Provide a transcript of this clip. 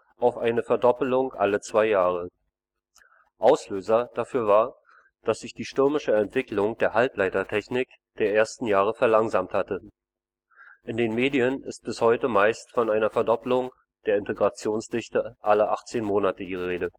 auf eine Verdoppelung alle zwei Jahre. Auslöser dafür war, dass sich die stürmische Entwicklung der Halbleitertechnik der ersten Jahre verlangsamt hatte. In den Medien ist bis heute meist von einer Verdoppelung der Integrationsdichte alle 18 Monate die Rede